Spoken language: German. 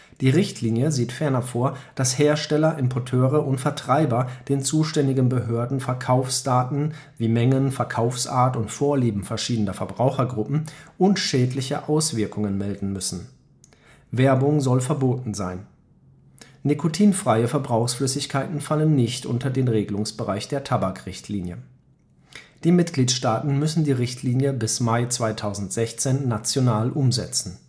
Die Richtlinie sieht ferner vor, dass Hersteller, Importeure und Vertreiber den zuständigen Behörden Verkaufsdaten (Mengen, Verkaufsart, Vorlieben verschiedener Verbrauchergruppen) und schädliche Auswirkungen melden müssen. Werbung soll verboten sein. Nikotinfreie Verbrauchsflüssigkeiten fallen nicht unter den Regelungsbereich der Tabakrichtlinie. Die Mitgliedstaaten müssen die Richtlinie bis Mai 2016 national umsetzen